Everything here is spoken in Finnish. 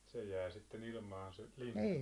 se jää sitten ilmaan se lintu